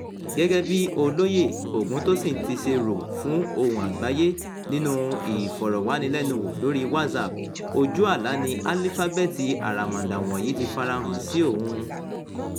Gẹ́gẹ́ bí Olóyè Ògúntósìn ti ṣe rò fún Ohùn Àgbáyé nínú ìfọ̀rọ̀wánilẹ́nuwò lórí WhatsApp, ojú àlá ni alífábẹ́ẹ̀tì àràmàndà wọ̀nyí ti f'ara hàn sí òun.